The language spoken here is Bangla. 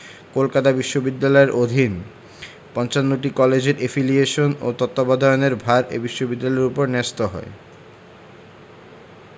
কলকাতা বিশ্ববিদ্যালয়ের অধীন ৫৫টি কলেজের এফিলিয়েশন ও তত্ত্বাবধানের ভার এ বিশ্ববিদ্যালয়ের ওপর ন্যস্ত হয়